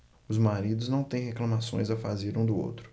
os maridos não têm reclamações a fazer um do outro